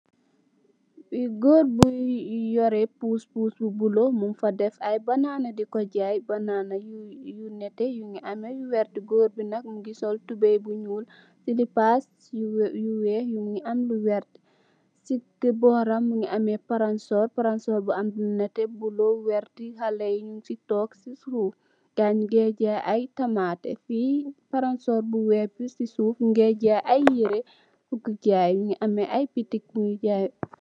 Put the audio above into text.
Fi gór bu yoré puss puss bu bula muñ fa dèf ay banana si ko jaay banana yu netteh mugii ameh yu werta. Gór bi nak mugii sol tubay bu ñuul silipàs yu wèèx mugii am lu werta. Si bóram mugii ameh pallansorr, pallansorr bu ma netteh, bula, werta. Xalèh yi ñing ci tóóg ci suuf ngayi ñu ngee jaay ay tamate. Fi pallansorr bu wèèx bi ci suuf mugii jaay ay yirèh fagajaay. Mugii ameh ay bitik buy jaay.